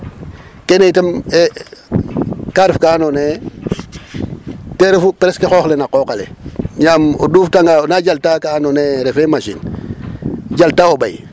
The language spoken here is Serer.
Keene itam kaa ref ka andoona yee ten refu presque xoox le na qooq ale yaam o duftanga o naa jaltaa ka andoona yee refee machine jaltaa o ɓay.